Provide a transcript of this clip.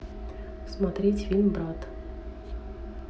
смотреть фильм брат